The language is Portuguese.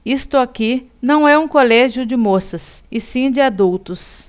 isto aqui não é um colégio de moças e sim de adultos